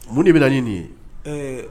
Mun de bɛ na ɲin nin ye ɛɛ